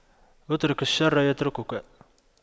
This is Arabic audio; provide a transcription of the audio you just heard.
اترك الشر يتركك